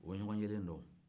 u bɛ ɲɔgɔn yelen dɔn